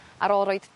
Ar ôl roid